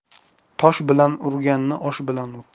tosh bilan urganni osh bilan ur